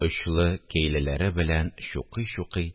Очлы кәйләләре белән чукый-чукый